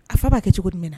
A fa b'a kɛ cogo di minna na